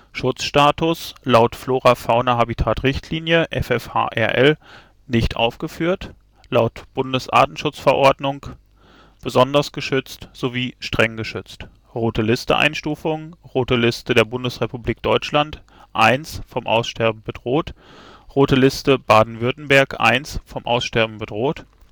Schutzstatus Flora-Fauna-Habitat-Richtlinie (FFH-RL): nicht aufgeführt Bundesartenschutzverordnung (BArtSchV): " besonders geschützt " sowie " streng geschützt " Rote Liste-Einstufungen Rote Liste der Bundesrepublik Deutschland: 1 – vom Aussterben bedroht Rote Liste Baden-Württemberg: 1 – vom Aussterben bedroht